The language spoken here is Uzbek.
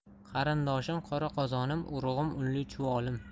qarindoshim qora qozonim urug'im unli chuvolim